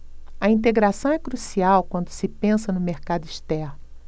a integração é crucial quando se pensa no mercado externo